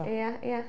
Ia, ia.